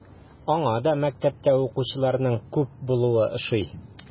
Аңа да мәктәптә укучыларның күп булуы ошый.